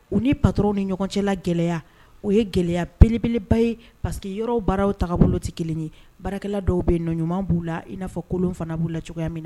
U ni patrons ni ɲɔgɔn cɛla gɛlɛya o ye gɛlɛya belebeleba ye parce que yɔrɔw baaraw tagabolow tɛ kelen ye baarakɛla dɔw bɛ yen nɔ ɲuman b'u la i n'a fɔ kolon fana b'u la cogoya min na